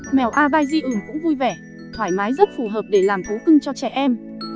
mèo abysian cũng vui vẻ thoải mái rất phù hợp để làm thú cưng cho trẻ em